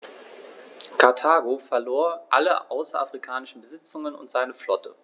Karthago verlor alle außerafrikanischen Besitzungen und seine Flotte.